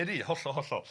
Ydi, hollol, hollol.